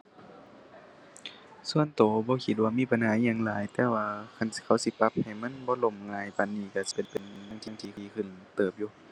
ส่วนตัวบ่คิดว่ามีปัญหาอิหยังหลาย แต่ว่าคันสิ เขาสิปรับให้มันบ่ล่มง่ายปานนี้ตัวสิเป็นสิ่งที่ดีขึ้นเติบอยู่